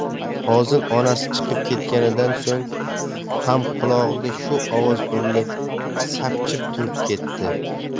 hozir onasi chiqib ketganidan so'ng ham qulog'iga shu ovoz urilib sapchib turib ketdi